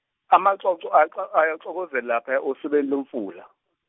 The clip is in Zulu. amaxoxo ayax- ayaxokozela laphaya osebeni lomfula.